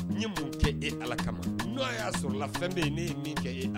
N ye mun kɛ e ala kama n' y'a sɔrɔ la fɛn bɛ ye ne ye min kɛ e